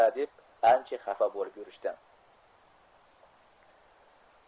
deb ancha xafa bo'lib yurishdi